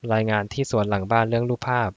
รายงานที่สวนหลังบ้านเรื่องรูปภาพ